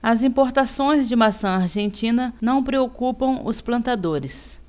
as importações de maçã argentina não preocupam os plantadores